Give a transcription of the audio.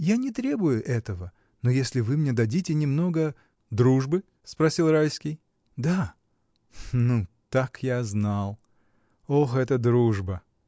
Я не требую этого, но если вы мне дадите немного. — Дружбы? — спросил Райский. — Да. — Ну, так, я знал. Ох эта дружба!